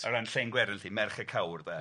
O ran llen gwerin 'lly merch y cawr de.